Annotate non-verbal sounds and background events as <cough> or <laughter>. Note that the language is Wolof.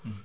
<hesitation> <hesitation>